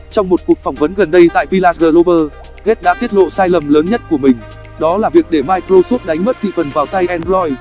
trong một cuộc phỏng vấn gần đây tại village global gates đã tiết lộ sai lầm lớn nhất của mình đó là việc để microsoft đánh mất thị phần vào tay android